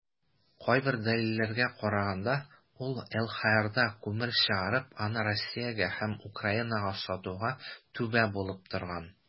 Кайбер дәлилләргә караганда, ул ЛХРда күмер чыгарып, аны Россиягә һәм Украинага сатуга "түбә" булып торган.